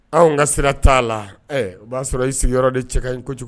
Anw ŋa sira t'a la ɛ o b'a sɔrɔ i sigiyɔrɔ de cɛkaɲi kojugu